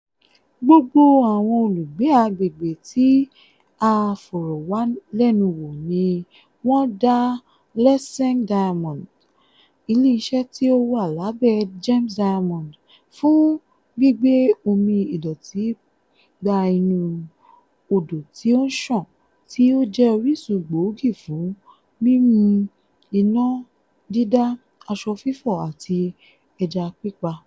Gbogbo àwọn olùgbé àgbègbè tí a fọ̀rọ̀wálẹ́nuwò ni wọ́n dá Letseng Diamonds - ilé iṣẹ́ tí ó wà lábẹ́ Gems Diamonds - fún gbígbé omi ìdọ̀tí gba inú Odò tí ó ń ṣàn tí ó jẹ́ orísun gbòógì fún mímu, iná dídá, aṣọ fífọ̀, àti ẹja pípa